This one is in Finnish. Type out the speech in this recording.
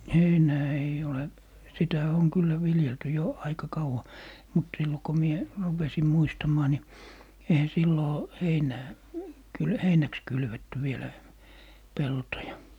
heinää ei ole sitä on kyllä viljelty jo aika kauan mutta silloin kun minä rupesin muistamaan niin eihän silloin heinää kyllä heinäksi kylvetty vielä peltoja